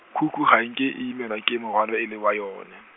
khukhu ga e nke e imelwa ke morwalo e le wa yone.